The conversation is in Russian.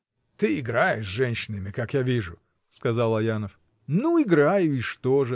— Ты играешь с женщинами, как я вижу, — сказал Аянов. — Ну, играю, и что же?